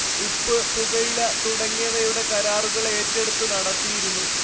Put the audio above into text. ഉപ്പ് പുകയില തുടങ്ങിയവയുടെ കരാറുകളേറ്റെടുത്തു നടത്തിയിരുന്നു